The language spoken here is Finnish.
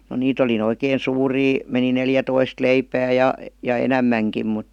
no niitä oli nyt oikein suuria meni - neljätoista leipää ja ja enemmänkin mutta